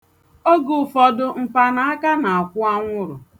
Oge ụfọdụ, mpanaaka na-akwụ anwụrụ.